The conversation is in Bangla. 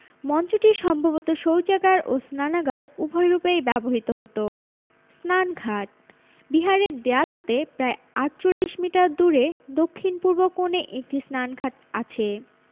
মঞ্চটি সম্ভবত শৌচাগার ও স্নানাগার উভয় রূপেই ব্যবহৃত হতো স্নানঘাট বিহারের দেয়াল হতে প্রায় ৪৮ মিটার দূরে দক্ষিণ পূর্ব কোণে একটি স্নানঘাট আছে